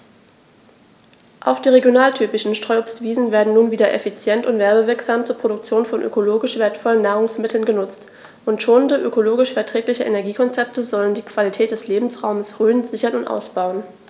Auch die regionaltypischen Streuobstwiesen werden nun wieder effizient und werbewirksam zur Produktion von ökologisch wertvollen Nahrungsmitteln genutzt, und schonende, ökologisch verträgliche Energiekonzepte sollen die Qualität des Lebensraumes Rhön sichern und ausbauen.